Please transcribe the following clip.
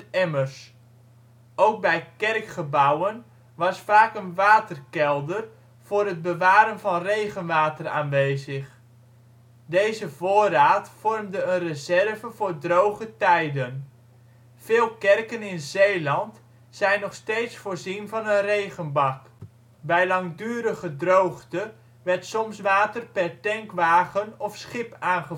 emmers. Ook bij kerkgebouwen was vaak een waterkelder voor het bewaren van regenwater aanwezig. Deze voorraad vormde een reserve voor droge tijden. Veel kerken in Zeeland zijn nog steeds voorzien van een regenbak. Bij langdurige droogte werd soms water per tankwagen of schip aangevoerd. Het